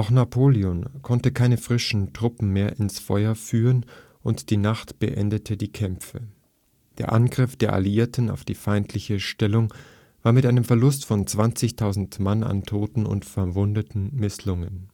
Napoleon konnte keine frischen Truppen mehr ins Feuer führen, und die Nacht beendete die Kämpfe. Der Angriff der Alliierten auf die feindliche Stellung war mit einem Verlust von 20.000 Mann an Toten und Verwundeten misslungen